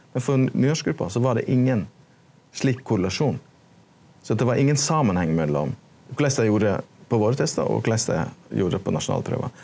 men for nynorsksgruppa so var det ingen slik korrelasjon so at det var ingen samanheng mellom korleis dei gjorde på våre testar og korleis dei gjorde det på nasjonale prøvar.